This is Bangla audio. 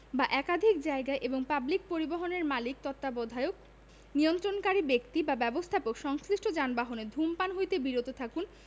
বা একাধিক জায়গায় এবং পাবলিক পরিবহণের মালিক তত্ত্বাবধায়ক নিয়ন্ত্রণকারী ব্যক্তি বা ব্যবস্থাপক সংশ্লিষ্ট যানবাহনে ধূমপান হইতে বিরত থাকুন